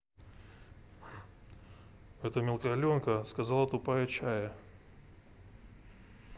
это мелкая аленка сказала тупая чая